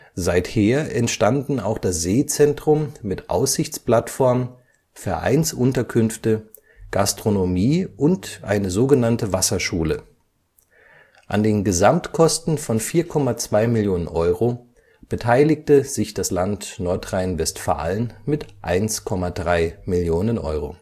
Seither entstanden auch das Seezentrum mit Aussichtsplattform, Vereinsunterkünfte, Gastronomie und eine so genannte Wasserschule. An den Gesamtkosten von 4,2 Mio. Euro beteiligte sich das Land Nordrhein-Westfalen mit 1,3 Mio. Euro